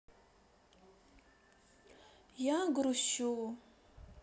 я грущу